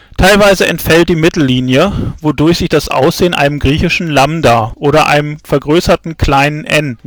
Teilweise entfällt die Mittellinie, wodurch sich das Aussehen einem griechischen Lambda (Λ) oder einem vergrößerten kleinen En